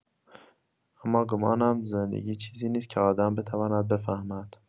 اما گمانم زندگی چیزی نیست که آدم بتواند بفهمد.